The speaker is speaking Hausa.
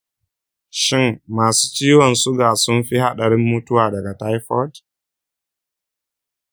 shin masu ciwon suga sun fi haɗarin mutuwa daga taifoid?